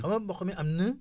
xam nga mboq mi am na